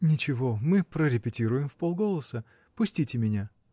-- Ничего, мы прорепетируем вполголоса. Пустите меня.